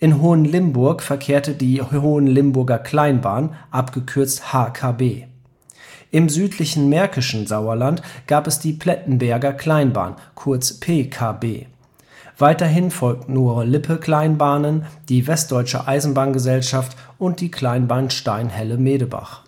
Hohenlimburg verkehrte die Hohenlimburger Kleinbahn (HKB). Im südlichen märkischen Sauerland gab es die Plettenberger Kleinbahn (PKB). Weiterhin folgten Ruhr-Lippe-Kleinbahnen, die Westdeutsche Eisenbahn-Gesellschaft und die Kleinbahn Steinhelle – Medebach